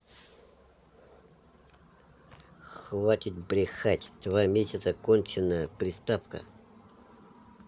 хватит брехать два месяца конченная приставка